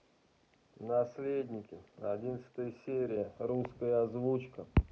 наследники одиннадцатая серия русская озвучка